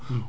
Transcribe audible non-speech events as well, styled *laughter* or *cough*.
*hesitation* *hesitation*